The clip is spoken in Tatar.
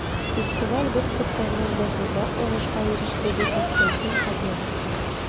Фестиваль без көткәннән дә зуррак уңышка иреште, ди Константин Хабенский.